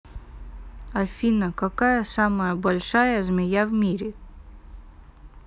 афина какая самая большая змея в мире